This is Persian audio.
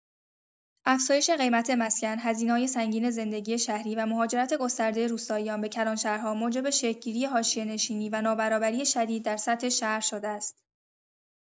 افزایش قیمت مسکن، هزینه‌های سنگین زندگی شهری و مهاجرت گسترده روستاییان به کلانشهرها موجب شکل‌گیری حاشیه‌نشینی و نابرابری شدید در سطح شهر شده است.